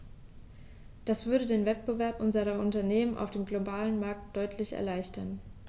Das würde den Wettbewerb unserer Unternehmen auf dem globalen Markt deutlich erleichtern.